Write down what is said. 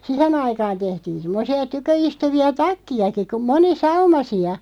siihen aikaan tehtiin semmoisia tyköistuvia takkejakin kuin monisaumaisia